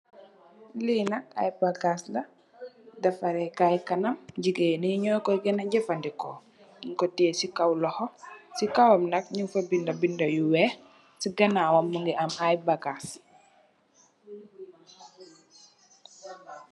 Lii nak aiiy bagass la, defareh kaii kanam, gigain nii njur koi genah jeufandikor, munkor tiyeh cii kaw lokhor, cii kawam nak njung fa binda binda yu wekh, cii ganawam mungy am aiiy bagass.